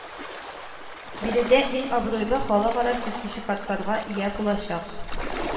Биредә иң абруйлы халыкара сертификатларга ия булачак